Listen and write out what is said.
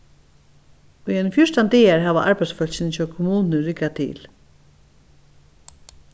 í einar fjúrtan dagar hava arbeiðsfólkini hjá kommununi riggað til